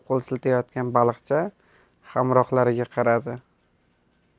qo'l siltayotgan baliqchi hamrohlariga qaradi